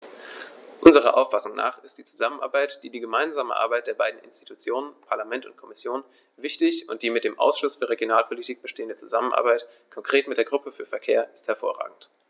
Unserer Auffassung nach ist die Zusammenarbeit, die gemeinsame Arbeit der beiden Institutionen - Parlament und Kommission - wichtig, und die mit dem Ausschuss für Regionalpolitik bestehende Zusammenarbeit, konkret mit der Gruppe für Verkehr, ist hervorragend.